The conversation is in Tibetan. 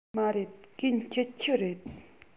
མ རེད གན སྐྱིད ཆུ རེད